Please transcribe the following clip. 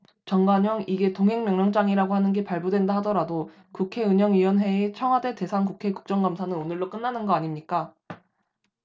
정관용 이게 동행명령장이라고 하는 게 발부된다 하더라도 국회 운영위원회의 청와대 대상 국회 국정감사는 오늘로 끝나는 거 아닙니까